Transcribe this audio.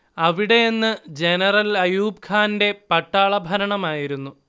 അവിടെ അന്ന് ജനറൽ അയൂബ്ഖാന്റെ പട്ടാളഭരണം ആയിരുന്നു